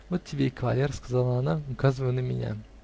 вот тебе и кавалер, -- сказала она, указывая на меня.